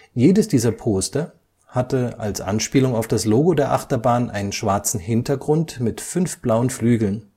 Jedes dieser Poster hatte als Anspielung auf das Logo der Achterbahn einen schwarzen Hintergrund mit fünf blauen Flügeln